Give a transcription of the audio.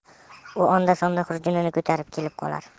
u onda sonda xurjunini ko'tarib kelib qolar